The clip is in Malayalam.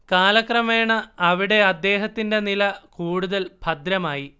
കാലക്രമേണ അവിടെ അദ്ദേഹത്തിന്റെ നില കൂടുതൽ ഭദ്രമായി